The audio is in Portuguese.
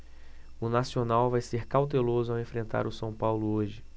o nacional vai ser cauteloso ao enfrentar o são paulo hoje